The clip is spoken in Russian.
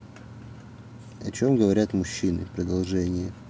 о чем говорят мужчины продолжение